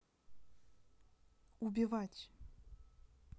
убивать